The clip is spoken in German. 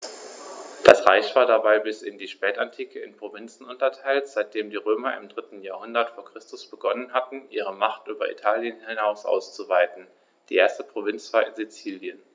Das Reich war dabei bis in die Spätantike in Provinzen unterteilt, seitdem die Römer im 3. Jahrhundert vor Christus begonnen hatten, ihre Macht über Italien hinaus auszuweiten (die erste Provinz war Sizilien).